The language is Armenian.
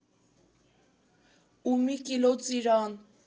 Ու մի կիլո ծիրան։